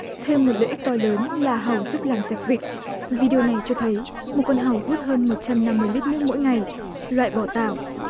thêm một lợi ích to lớn là hàu giúp làm sạch vịnh vi đi ô này cho thấy một con hàu hút hơn một trăm năm mươi lít nước mỗi ngày loại bỏ tảo